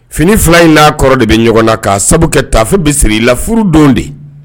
Fini fila in n'a kɔrɔ de bɛ ɲɔgɔn na kaa sabu kɛ tafo bɛsiri i lafdon de